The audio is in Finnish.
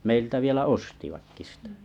meiltä vielä ostivatkin sitä